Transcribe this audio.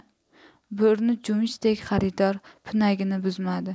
burni cho'michdek xaridor pinagini buzmadi